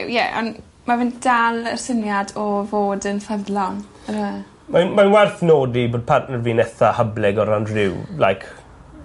...yw ie on' ma' fe'n dal y syniad o fod yn ffyddlon on' yw e? Mae'n mae'n werth nodi bod partner fi'n itha hyblyg o ran rhyw like